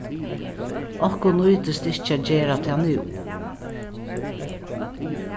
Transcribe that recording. okkum nýtist ikki at gera tað nú